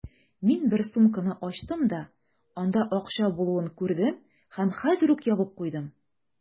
Мин бер сумканы ачтым да, анда акча булуын күрдем һәм хәзер үк ябып куйдым.